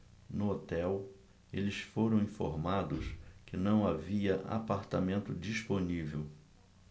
no hotel eles foram informados que não havia apartamento disponível